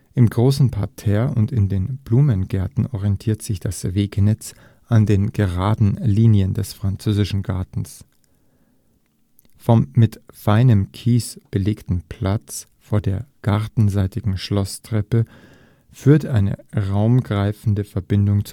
Im großen Parterre und in den Blumengärten orientiert sich das Wegenetz an den geraden Linien des französischen Gartens: Vom mit feinem Kies belegten Platz vor der gartenseitigen Schlosstreppe führt eine raumgreifende Verbindung